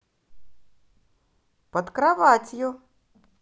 под кроватью